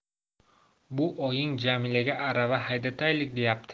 bu oying jamilaga arava haydataylik deyabdi